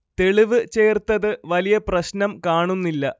തെളിവ് ചേർത്തത് വലിയ പ്രശ്നം കാണുന്നില്ല